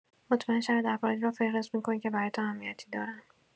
مطمئن شوید افرادی را فهرست می‌کنید که برایتان اهمیتی دارند.